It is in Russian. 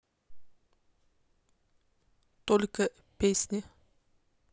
только песни